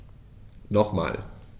Nochmal.